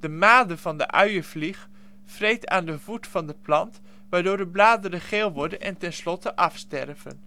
made van de uienvlieg vreet aan de voet van de plant, waardoor de bladeren geel worden en tenslotte afsterven